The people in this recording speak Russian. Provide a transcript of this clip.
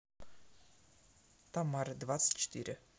тамара двадцать четыре